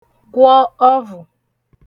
gwọ ọvụ̀